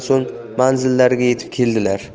so'ng manzillariga yetib keldilar